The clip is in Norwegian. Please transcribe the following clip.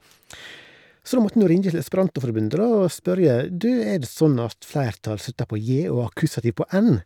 Du, er det sånn at flertall slutter på j og akkusativ på n?